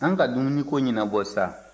an ka dumuniko ɲɛnabɔ sa